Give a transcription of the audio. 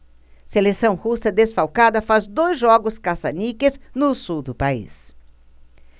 seleção russa desfalcada faz dois jogos caça-níqueis no sul do país